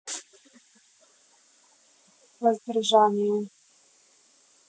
воздержание